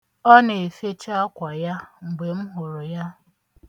Ọ na-efecha akwa ya mgbe m hụrụ ya.